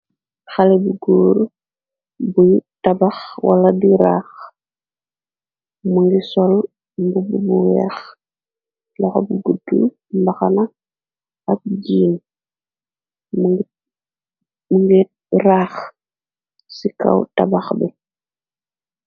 xale bi guur buy tabax wala di raax mungi sol mbubu bu weex loxa bi gutu mbaxana ak jiin mu ngir raax ci kaw tabax bi